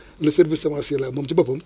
le service semencier là moom ci boppam